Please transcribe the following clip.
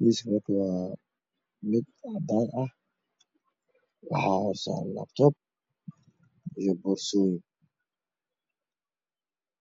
Miiska waxaa saaran laabtoob iyo boorso.